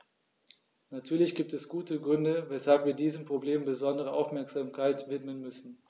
Natürlich gibt es gute Gründe, weshalb wir diesem Problem besondere Aufmerksamkeit widmen müssen.